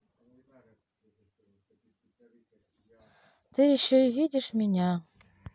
ты еще и видишь меня